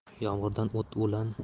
yomg'irdan o't o'lan